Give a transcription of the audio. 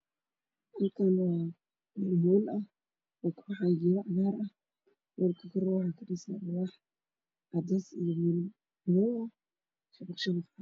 Halkaan waa meel howl oo ka baxaayaa geedo cagaar ah alwaax cadays iyo madow ah shabaq shabaq ah.